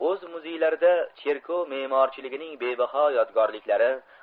o'z muzeylarida cherkov me'morchiligining bebaho yodgorliklari